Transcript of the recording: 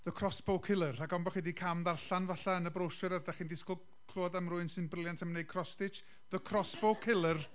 The Crossbow Killer. Rhag ofn bod chi wedi cam ddarllan, falle, yn y brochure, a dach chi'n disgwyl clywed am rywun sy'n briliant am wneud cross-stitch, The Crossbow Killer.